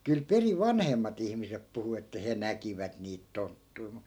kyllä perin vanhemmat ihmiset puhui että he näkivät niitä tonttuja mutta